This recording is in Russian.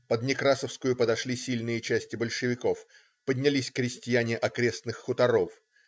Под Некрасовскую подошли сильные части большевиков, поднялись крестьяне окрестных хуторов.